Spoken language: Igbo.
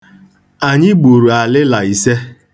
Anyị gburu alịla ise.